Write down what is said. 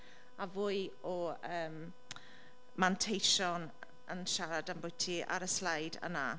A fwy o yym manteision yn siarad ambwti ar y sleid yna.